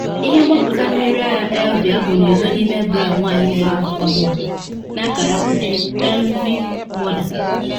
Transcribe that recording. Ihe mgbapụta mmiri ara Elvie ahụ na ezo n’ime bra nwanyị na elekọta nwa (Elvie/Mother)